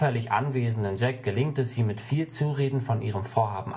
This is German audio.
anwesenden Jack gelingt es, sie mit viel Zureden von ihrem Vorhaben